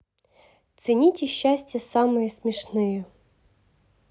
цените счастья самые смешные